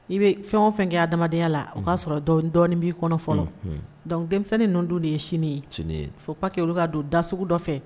I bɛ fɛn o fɛn kɛya adamadenyaya la o y'a sɔrɔ dɔndɔɔni b'i kɔnɔ fɔlɔ dɔnku denmisɛnnin ninnu don de ye siniinin ye fo' que olu k'a don da sugu dɔ fɛ